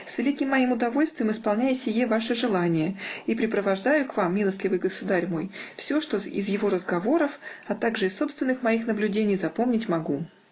С великим моим удовольствием исполняю сие ваше желание и препровождаю к вам, милостивый государь мой, все, что из его разговоров, а также из собственных моих наблюдений запомнить могу.